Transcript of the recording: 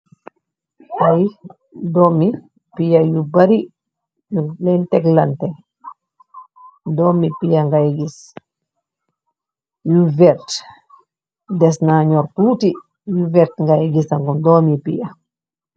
Ay doomi piya yu barri nung leen tekk lantè. Doomi piya ngè gës yu vert dès na nyorr tutti. Yu vert ngè gës sagum doomi piya.